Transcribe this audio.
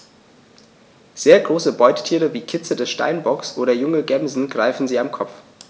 Sehr große Beutetiere wie Kitze des Steinbocks oder junge Gämsen greifen sie am Kopf.